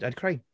I'd cry.